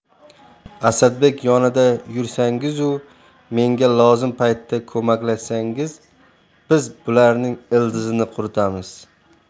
asadbek yonida yursangizu menga lozim paytda ko'maklashsangiz biz bularning ildizini quritamiz